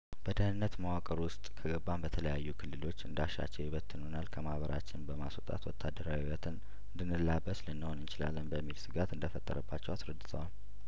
በደህንነት መዋቅር ውስጥ ከገባን በተለያዩ ክልሎች እንዳ ሻቸው ይበትኑናል ከማህበራችን በማስወጣት ወታደራዊ ህይወትን እንድን ላበስ ልን ሆን እንችላለን በሚል ስጋት እንደፈጠረባቸው አስረድተዋል